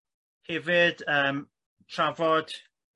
hefyd yym trafod